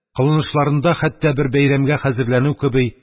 Кылынышларында хәтта бер бәйрәмгә хәзерләнү кеби